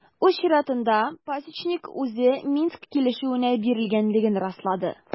Үз чиратында Пасечник үзе Минск килешүенә бирелгәнлеген раслады.